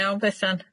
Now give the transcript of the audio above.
Iawn Bethan.